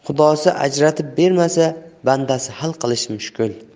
xudosi ajratib bermasa bandasi hal qilishi mushkul